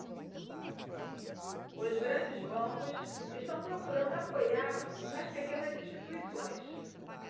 os grandes bancos estão procurando apoiar as pequenas instituições